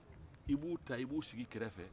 i bɛ u taa i b'u sigi i kɛrɛfɛ